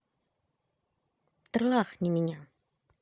трахни меня